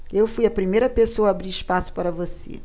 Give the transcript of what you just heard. eu fui a primeira pessoa a abrir espaço para você